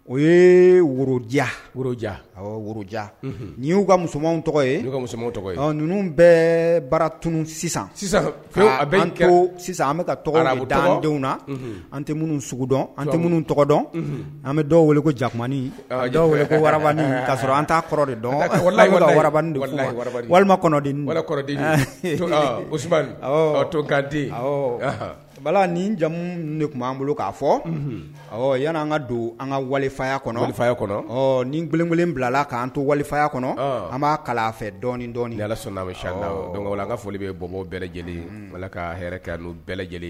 O ye worodiya woro woroja y'u ka musomanw tɔgɔ ye tɔgɔ ye ninnu bɛ baara tun sisan bɛ kɛ an an denw na an tɛ minnu sugudɔn an tɛ minnu tɔgɔ dɔn an bɛ dɔw weele ko jakuma weele ko wara'a an t kɔrɔ dɔn walima todi bala nin jamu de tun b'an bolo k'a fɔ ɔ yan'an ka don an ka waliya kɔnɔya kɔnɔ nin kelen bilala k'an to waliya kɔnɔ an b'a kalan fɛ dɔla ka foli bɛ bɔn bɛɛ lajɛlen wala ka bɛɛ lajɛlen